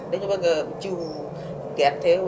dañu bëgg a jiwu gerte